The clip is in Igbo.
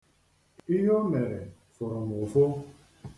Ihe o mere fụrụ m ụfụ.